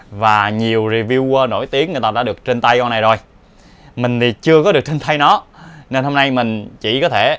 và nhiều reviewer nổi tiếng đã được trên tay con này rồi mình thì chưa được trên tay nó nên hôm nay mình chỉ có thể